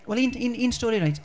wel u- un un stori reit.